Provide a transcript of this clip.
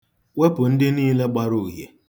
Wepụ ndị niile gbara uhie.